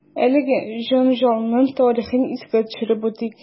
Әлеге җәнҗалның тарихын искә төшереп үтик.